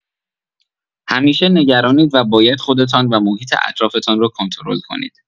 همیشه نگرانید و باید خودتان و محیط اطرافتان را کنترل کنید.